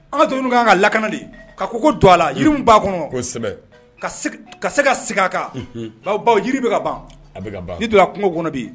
An ka dugu ka kan ka lakana de, ka kɔgɔ don a la. Jiri mun b'a kɔnɔ. Kosɛbɛ! Ka se ka segin a kan. Unhun! Ba baw jiri bɛ ka ban. A bɛ ka ban. N'i donna kungo kɔnɔ bi